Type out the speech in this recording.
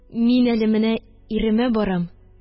Мин әле менә иремә барам,